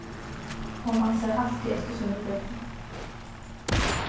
hon ansar altíð eftir sínum børnum